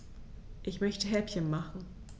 Ich möchte Häppchen machen.